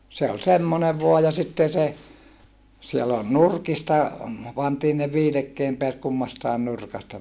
se oli semmoinen vain ja sitten se siellä oli nurkista pantiin ne viilekkeen päät kummastakin nurkasta